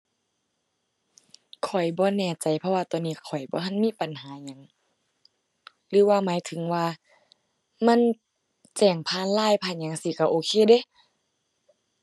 ข้อยบ่แน่ใจเพราะว่าตอนนี้ข้อยบ่ทันมีปัญหาอิหยัง หรือว่าหมายถึงว่ามันแจ้งผ่าน LINE ผ่านหยังจั่งซี้ก็โอเคเดะ